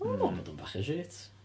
O'n i'n meddwl bod o bach yn shit.